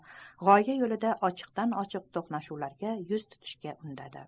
g'oya yo'lida ochiqdan ochiq to'qnashuvlarga tik borishga undadi